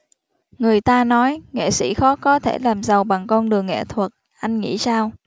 người ta nói nghệ sĩ khó có thể làm giàu bằng con đường nghệ thuật anh nghĩ sao